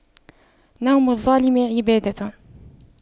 نوم الظالم عبادة